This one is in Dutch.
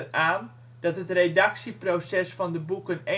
aan, dat het redactieproces van de boeken